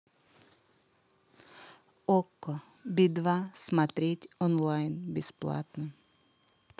окко би два смотреть онлайн бесплатно